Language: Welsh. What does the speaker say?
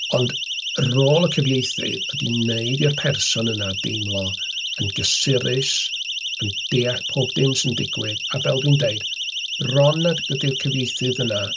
Ond, rôl y cyfieithydd, ydy wneud i'r person yna deimlo yn gysurus, yn deall pob dim sy'n digwydd, a fel dwi'n dweud, bron nad ydy'r cyfieithydd yna.